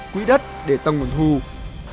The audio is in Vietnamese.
quỹ đất để tăng nguồn thu